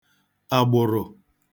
àgbụ̀rụ̀